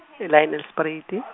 e- la e- Nelspruit.